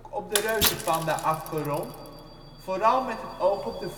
op de reuzenpanda afgerond, vooral met het oog op de vruchtbaarheidsproblemen